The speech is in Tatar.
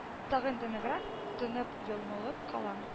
Тагын да ныграк тынып-йомылып калам